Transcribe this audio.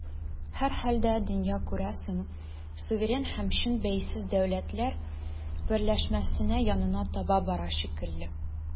Һәрхәлдә, дөнья, күрәсең, суверен һәм чын бәйсез дәүләтләр берләшмәсенә янына таба бара шикелле.